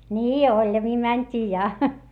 niin oljamiin mentiin ja